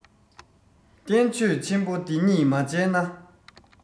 བསྟན བཅོས ཆེན པོ འདི གཉིས མ མཇལ ན